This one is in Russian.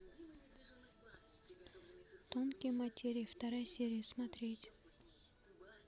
тонкие материи вторая серия смотреть